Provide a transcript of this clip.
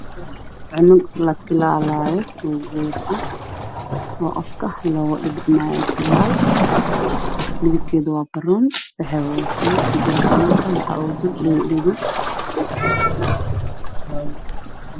Canug la talaalaayo